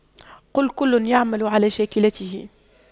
قُل كُلٌّ يَعمَلُ عَلَى شَاكِلَتِهِ